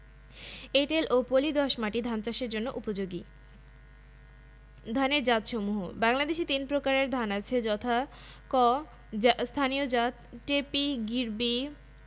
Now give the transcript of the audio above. এঁটেল ও পলি দোআঁশ মাটি ধান চাষের জন্য উপযোগী ধানের জাতসমূহঃ বাংলাদেশে তিন প্রকারের ধান আছে যথাঃ ক স্থানীয় জাতঃ টেপি গিরবি